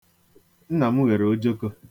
Nna m ghere ojoko.